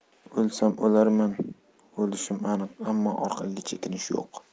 o'lsam o'larman o'lishim aniq ammo orqaga chekinish yo'q